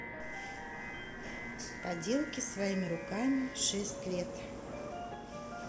поделки своими руками шесть лет